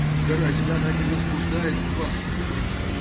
Да разве она не возбуждает в вас ужаса?